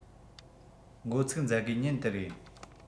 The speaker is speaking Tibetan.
འགོ ཚུགས མཛད སྒོའི ཉིན དེར ཡིན